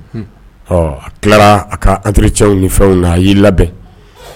A tila a ka antorecw ni fɛnw na a y'i labɛn